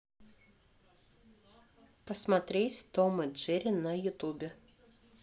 посмотреть том и джерри на ютубе